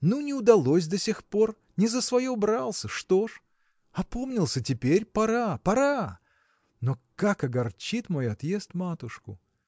Ну, не удалось до сих пор, не за свое брался – что ж? опомнился теперь: пора, пора! Но как огорчит мой отъезд матушку!